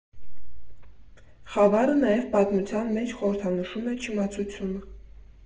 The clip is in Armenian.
Խավարը նաև պատմության մեջ խորհրդանշում է չիմացությունը։